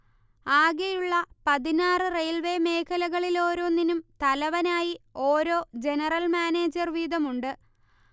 ആകെയുള്ള പതിനാറു റെയിൽവേ മേഖലകളിലോരോന്നിനും തലവനായി ഓരോ ജനറൽ മാനേജർ വീതമുണ്ട്